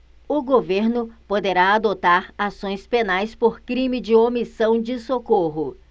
o governo poderá adotar ações penais por crime de omissão de socorro